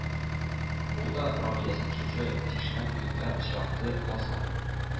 Ул да рәмиләсен шушы чишмә буенда очратты ласа...